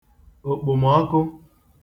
òkpòmọkụ